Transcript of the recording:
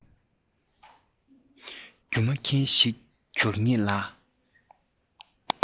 སྒྱུ མ མཁན ཞིག འགྱུར ངེས ལ